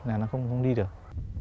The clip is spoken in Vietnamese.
là nó không không đi được